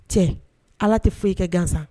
Cɛ ala ti foyi kɛ gansan.